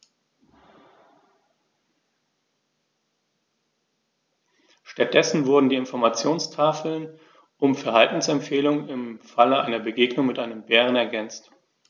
Stattdessen wurden die Informationstafeln um Verhaltensempfehlungen im Falle einer Begegnung mit dem Bären ergänzt.